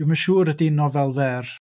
Dwi'm yn siŵr ydy hi'n nofel fer.